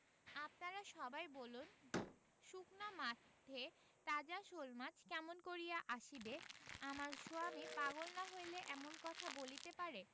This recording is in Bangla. আপনারা সবাই বলুন শুকনা মাঠে তাজা শোলমাছ কেমন করিয়া আসিবে আমার সোয়ামী পাগল না হইলে এমন কথা বলিতে পারে